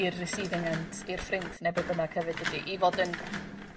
i'r recieving end i'r ffrind ne' be' bynnag hefyd dydi? I fod yn